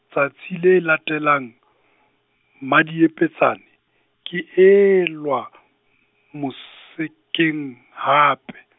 tsatsi le latelang, Mmadiepetsane, ke elwa, mosekeng, hape.